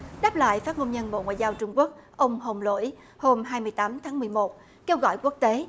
đáp lại phát ngôn nhân bộ ngoại giao trung quốc ông hồng lỗi hôm hai mươi tám tháng mười một kêu gọi quốc tế